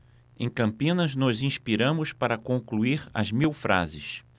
em campinas nos inspiramos para concluir as mil frases